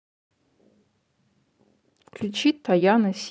включи таяна сила